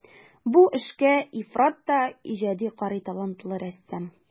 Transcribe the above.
Бу эшкә ифрат та иҗади карый талантлы рәссам.